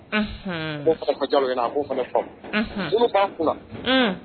Ja a fana fa b'a kun